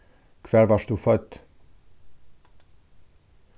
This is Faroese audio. hvar vart tú fødd